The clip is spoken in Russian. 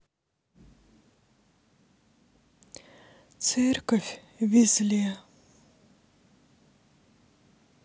церковь в везле